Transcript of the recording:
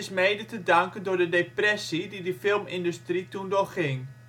mede te danken door de depressie die de filmindustrie toen doorging